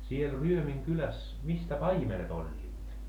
siellä Ryömin kylässä mistä paimenet olivat